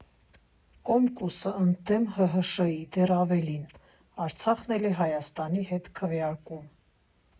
Կոմկուսը՝ ընդդեմ ՀՀՇ֊ի, դեռ ավելին՝ Արցախն էլ է Հայաստանի հետ քվեարկում։